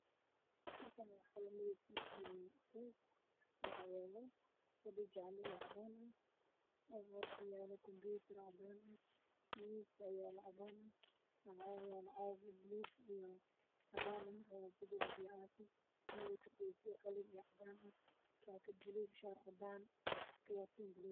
Meeshan waa xafiis xaafad iyo nin suudayay wataa kursiga uu ku fadhiyaa orange computer cadan ee horyaalo